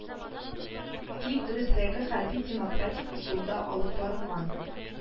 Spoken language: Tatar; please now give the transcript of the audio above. Тик, дөресләге, хәрби демократик ысулда алып барылган